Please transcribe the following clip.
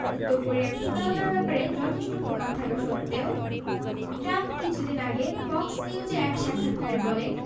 উত্তর কোরিয়ার প্রতারণার ব্যাপারে যথেষ্ট প্রমাণ থাকা সত্ত্বেও ট্রাম্প কিছুদিন আগে ফক্স নিউজে এক সাক্ষাৎকারে বলেন